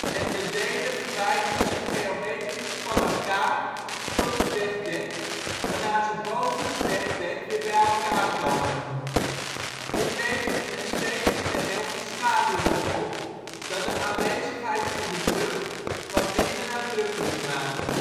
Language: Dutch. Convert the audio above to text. en de delen verwijderen zich geometrisch van elkaar tot het wegdek, waarna ze boven het wegdek weer bij elkaar komen. Dit levert een esthetisch geheel van schaduwen op, dat de aanwezigheid van de brug wat minder nadrukkelijk maakt